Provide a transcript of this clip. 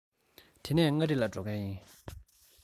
དེ ནས མངའ རིས ལ འགྲོ གི ཡིན